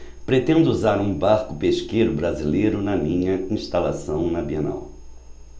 pretendo usar um barco pesqueiro brasileiro na minha instalação na bienal